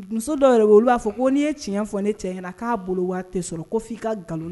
Muso dɔw yɛrɛ' olu b'a fɔ ko'i ye tiɲɛ fɔ ne cɛ ɲɛna k'a bolo tɛ sɔrɔ ko f' i ka nkalon